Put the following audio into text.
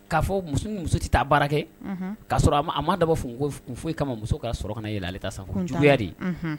K'a fɔ muso tɛ taa baara kɛ k'a sɔrɔ a ma dabɔ fɔ foyi kama muso ka sɔrɔ kana yɛlɛ ale ta kan, o ye juguya de ye.